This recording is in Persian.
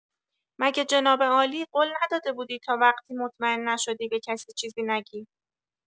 مگه جنابعالی قول نداده بودی تا وقتی مطمئن نشدی به کسی چیزی نگی؟